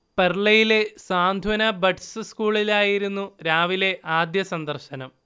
പെർളയിലെ Santhwana buds സ്കൂളിലായിരുന്നു രാവിലെ ആദ്യ സന്ദർശനം